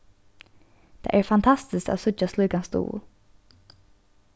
tað er fantastiskt at síggja slíkan stuðul